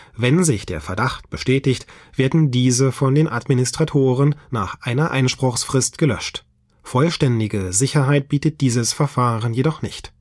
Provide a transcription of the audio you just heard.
Wenn sich der Verdacht bestätigt, werden diese von den Administratoren nach einer Einspruchsfrist gelöscht. Vollständige Sicherheit bietet dieses Verfahren jedoch nicht